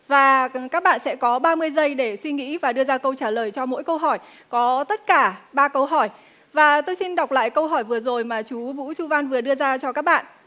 và các bạn sẽ có ba mươi giây để suy nghĩ và đưa ra câu trả lời cho mỗi câu hỏi có tất cả ba câu hỏi và tôi xin đọc lại câu hỏi vừa rồi mà chú vũ chu văn vừa đưa ra cho các bạn